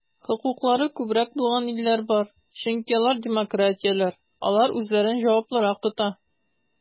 Хокуклары күбрәк булган илләр бар, чөнки алар демократияләр, алар үзләрен җаваплырак тота.